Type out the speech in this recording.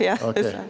ja dessverre.